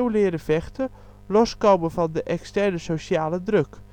leren vechten (loskomen van de externe sociale druk